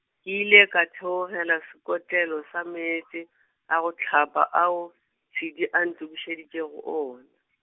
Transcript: ke ile ka theogela sekotlelo sa meetse, a go hlapa ao, Tshidi a ntokišeditšego ona.